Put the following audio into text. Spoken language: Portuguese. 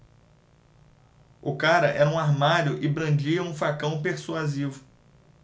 o cara era um armário e brandia um facão persuasivo